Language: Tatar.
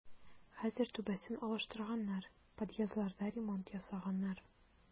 Хәзер түбәсен алыштырганнар, подъездларда ремонт ясаганнар.